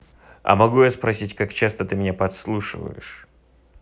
а могу я спросить как часто ты меня подслушиваешь